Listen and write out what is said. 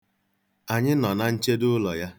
Anyị nọ na nchedo ụlọ ya.